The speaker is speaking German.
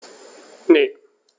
Ne.